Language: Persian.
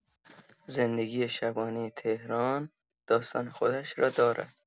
زندگی شبانۀ تهران داستان خودش را دارد.